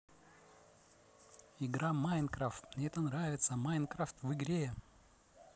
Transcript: игра minecraft мне это нравится minecraft в игре